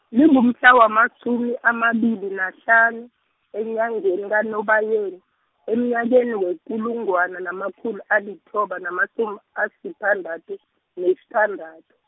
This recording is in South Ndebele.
lingumhlawamasumi amabili nahlanu, enyangeni kaNobayeni, emnyakeni wekulungwane namakhulu alithoba namasumi asithandathu, nesithandathu.